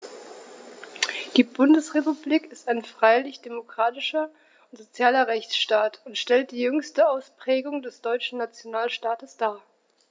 Die Bundesrepublik ist ein freiheitlich-demokratischer und sozialer Rechtsstaat und stellt die jüngste Ausprägung des deutschen Nationalstaates dar.